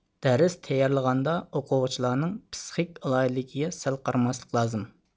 دەرس تەييارلىغاندا ئوقۇغۇچىلارنىڭ پسىخىك ئالاھىدىلىكىگە سەل قارىماسلىق لازىم